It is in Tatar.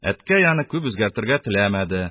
Әткәй аны күп үзгәртергә теләмәде: